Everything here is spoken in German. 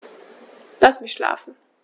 Lass mich schlafen